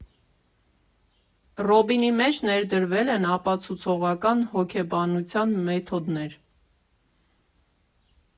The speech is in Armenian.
Ռոբինի մեջ ներդրվել են ապացուցողական հոգեբանության մեթոդներ.